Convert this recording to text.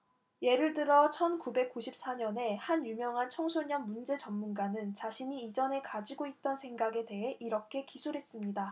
예를 들어 천 구백 구십 사 년에 한 유명한 청소년 문제 전문가는 자신이 이전에 가지고 있던 생각에 대해 이렇게 기술했습니다